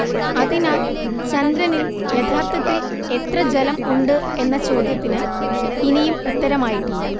അതിനാൽ ചന്ദ്രനിൽ യഥാർത്ഥത്തിൽ എത്ര ജലം ഉണ്ട് എന്ന ചോദ്യത്തിന് ഇനിയും ഉത്തരമായിട്ടില്ല